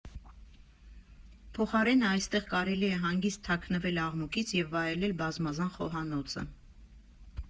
Փոխարենը, այստեղ կարելի է հանգիստ թաքնվել աղմուկից և վայելել բազմազան խոհանոցը։